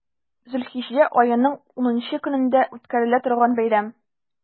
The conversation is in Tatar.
Зөлхиҗҗә аеның унынчы көнендә үткәрелә торган бәйрәм.